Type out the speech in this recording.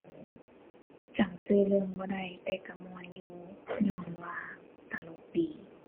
จำชื่อเรื่องบ่ได้แต่ชื่อม่วนอยู่ ญ้อนว่าตลกดี